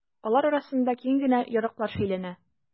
Алар арасында киң генә ярыклар шәйләнә.